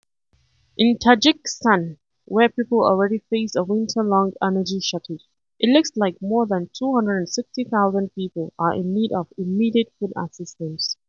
In Tajikistan, where people already faced a winter-long energy shortage, it looks like more than 260,000 people are in need of immediate food assistance.